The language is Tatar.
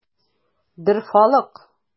Дорфалык!